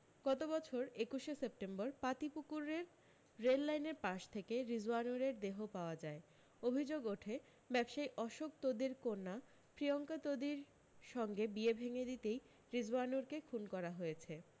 গত বছর একুশ এ সেপ্টেম্বর পাতিপুকুরের রেল লাইনের পাশ থেকে রিজওয়ানুরের দেহ পাওয়া যায় অভি্যোগ ওঠে ব্যবসায়ী অশোক তোদির কন্যা প্রিয়ঙ্কা তোদির সঙ্গে বিয়ে ভেঙে দিতেই রিজওয়ানুরকে খুন করা হয়েছে